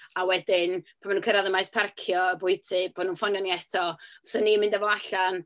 A wedyn pan maen nhw'n cyrraedd y maes parcio y bwyty bo' nhw'n ffonio ni eto, 'sen ni'n mynd a fo allan...